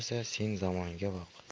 sen zamonga boq